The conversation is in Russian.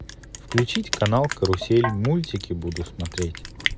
включить канал карусель мультики буду смотреть